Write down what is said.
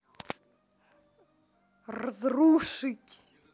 разрушить